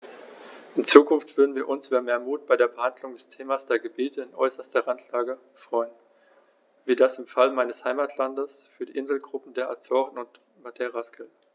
In Zukunft würden wir uns über mehr Mut bei der Behandlung des Themas der Gebiete in äußerster Randlage freuen, wie das im Fall meines Heimatlandes für die Inselgruppen der Azoren und Madeiras gilt.